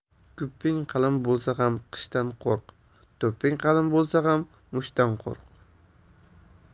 gupping qalin bo'lsa ham qishdan qo'rq do'pping qalin bo'lsa ham mushtdan qo'rq